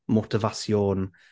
Motiva-sion.